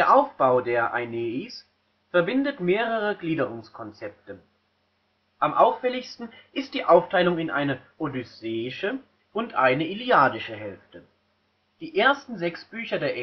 Aufbau der Aeneis verbindet mehrere Gliederungskonzepte. Am auffälligsten ist die Aufteilung in eine „ odysseische “und eine „ iliadische “Hälfte: Die ersten sechs Bücher der